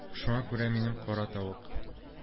Шуңа күрә минем Кара тавык